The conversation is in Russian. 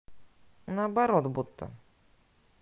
наоборот будто